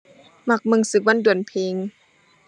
มักเบิ่งศึกวันดวลเพลง